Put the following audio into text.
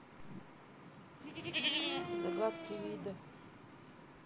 загадки аида